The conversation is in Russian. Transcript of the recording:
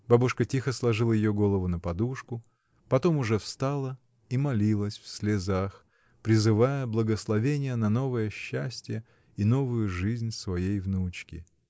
Бабушка тихо сложила ее голову на подушку, потом уже встала и молилась в слезах, призывая благословение на новое счастье и новую жизнь своей внучки.